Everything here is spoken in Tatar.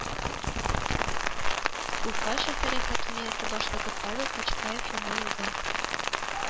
Уфа шәһәре хакимияте башлыгы Павел Качкаев Яңа елга